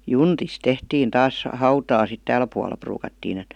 juntista tehtiin taas hautaa sitten täällä puolella ruukattiin että